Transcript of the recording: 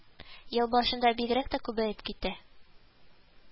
Ел башында бигрәк тә күбәеп китә